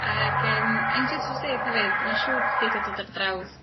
...ag yym en- jys jyst deud hefyd ma'n siŵr bo' chdi 'di dod ar draws